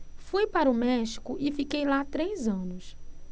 fui para o méxico e fiquei lá três anos